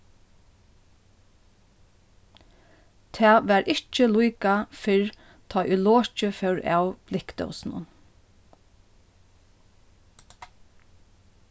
tað var ikki líka fyrr tá ið lokið fór av blikkdósunum